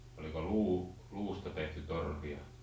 oliko - luusta tehty torvia